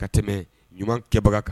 Ka tɛmɛ ɲuman kɛbaga kan